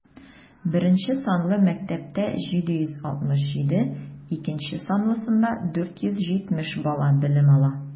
Беренче санлы мәктәптә - 767, икенче санлысында 470 бала белем ала.